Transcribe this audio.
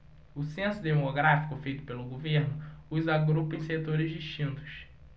o censo demográfico feito pelo governo os agrupa em setores distintos